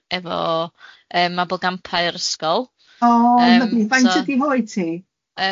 efo yym mabolgampau yr ysgol. Oh, lyfli faint ydi 'hoed hi?